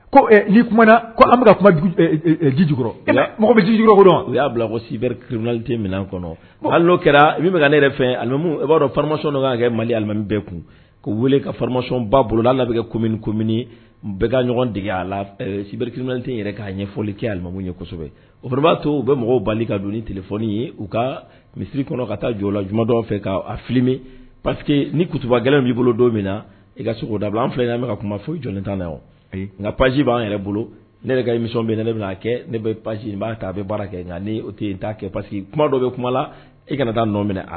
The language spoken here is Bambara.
An ji jukɔrɔ mɔgɔ bɛ jijikɔrɔ u y'a bila fɔ si minɛn kɔnɔ kɛra bɛ ne yɛrɛ fɛ b'a dɔn farama kan kɛ malilimami bɛɛ kun ko weele ka ba bolo n' labɛn bɛ kɛ ko ko bɛ ka ɲɔgɔn dege sibite k'a ɲɛfɔli kɛ alimamu yesɛbɛ o fana b'a to u bɛ mɔgɔw bali ka don ni tilefɔoni ye u ka misisiriri kɔnɔ ka taa jɔ la juma dɔw fɛ k' filimi pa ni kutuba gɛlɛnlɛn b y'i bolo don min na i ka sogo da an filɛ ka kuma foyi jɔn tan na nka paji b'an yɛrɛ bolo ne yɛrɛmi bɛ nea kɛ ne bɛ'aa bɛ baara kɛ nka tɛ kɛ pa que kuma dɔw bɛ kuma la e kana taa nɔ minɛ